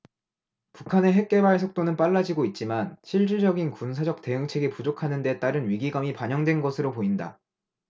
북한의 핵개발 속도는 빨라지고 있지만 실질적인 군사적 대응책이 부족하다는 데 따른 위기감이 반영된 것으로 보인다